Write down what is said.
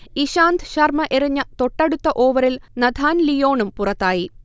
ഇശാന്ത് ശർമ എറിഞ്ഞ തൊട്ടടുത്ത ഓവറിൽ നഥാൻ ലിയോണും പുറത്തായി